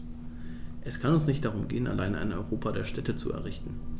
Es kann uns nicht darum gehen, allein ein Europa der Städte zu errichten.